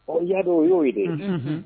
O yadon o y'o wele